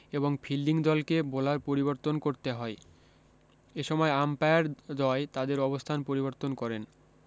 এবং ফিল্ডিং দলকে বোলার পরিবর্তন করতে হয় এসময় আম্পায়ারদ্বয় তাদের অবস্থান পরিবর্তন করেন